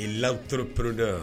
L'entrepreneur